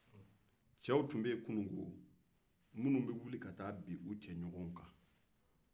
cɛw tun bɛ yen kunungo minnu bɛ wuli ka taa bin u cɛɲɔgɔn kan n